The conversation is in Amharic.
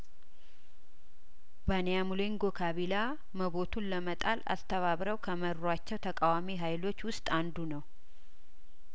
ባንያ ሙሌን ጐካቢላ መቡቱን ለመጣል አስተባብረው ከመሩአቸው ተቃዋሚ ሀይሎች ውስጥ አንዱ ነው